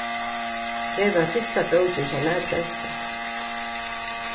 her varð fyrsta bókin hjá mær prentað